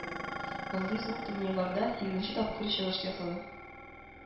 Мондый зур турнирларда сигезенче тапкыр чыгыш ясады